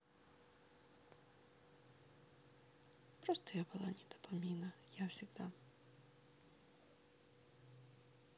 я просто была не допомина я всегда